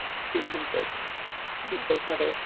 Fifteen hundred metres... m-hm ...hefyd.